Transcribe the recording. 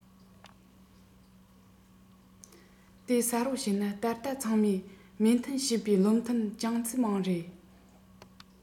དེའང གསལ པོ བཤད ན ད ལྟ ཚང མས མོས མཐུན བྱས པའི བློ ཐུན ཅང ཙེ མིང རེད